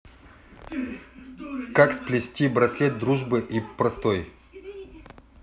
как сплести браслет дружбы и простой